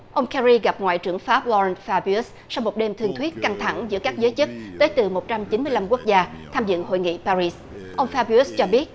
ông ke ri gặp ngoại trưởng pháp lo rờn pha bi ớt sau một đêm thương thuyết căng thẳng giữa các giới chức đến từ một trăm chín mươi lăm quốc gia tham dự hội nghị pa ri ông pha bi ớt cho biết